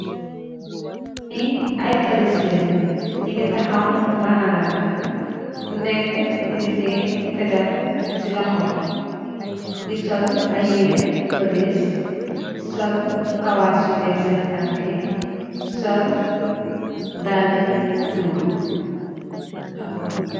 Nyi ay police len nyugu taxaw rangalante kuneka mogi tiyeh fetel si loxom nyugi sol ay yereh police sol kawas yu weex sen tankai sol daal yu nuul.